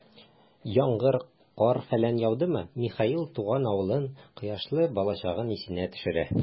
Яңгыр, кар-фәлән яудымы, Михаил туган авылын, кояшлы балачагын исенә төшерә.